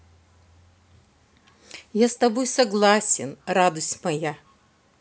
я с тобой согласен радуюсь моя